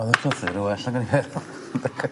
O'dd y llythyr y' well nag o'n i meddwl.